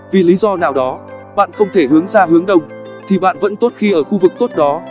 vì lý do nào đó bạn không thể hướng ra hướng đông thì bạn vẫn tốt khi ở khu vực tốt đó